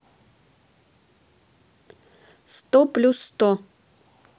сто плюс сто